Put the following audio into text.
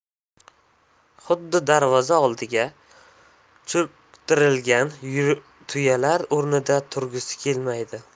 xuddi darvoza oldiga cho'ktirilgan tuyalar o'rnidan turgisi kelmaydi